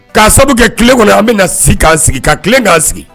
K'a sababu kɛ tile kɔnɔ an bɛna na sigi k' sigi ka tilen k'an sigi